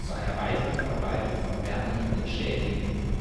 einer weiteren Verbreitung von Wärme liebenden Schädlingen (z.B. Zecken, Borkenkäfer) und Krankheitserregern